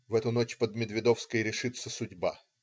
В эту ночь под Медведовской решится судьба.